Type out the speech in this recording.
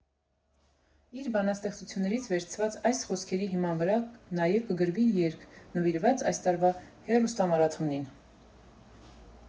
Իր բանաստեղծությունից վերցված այս խոսքերի հիման վրա նաև կգրվի երգ՝ նվիրված այս տարվա հեռուստամարաթոնին։